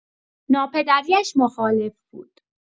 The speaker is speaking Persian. ناپدری‌اش مخالف بود.